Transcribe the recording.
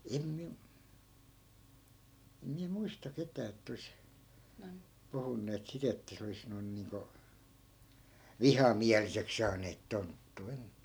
en minä en minä muista ketään että olisi puhuneet sitä että se olisi noin niin kuin vihamieliseksi saaneet tonttua -